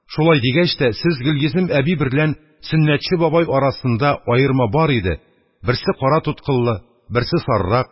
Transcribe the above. Шулай дигәч тә, сез Гөлйөзем әби берлән Сөннәтче бабай арасында аерма бар иде, берсе кара туткыллы, берсе сарырак;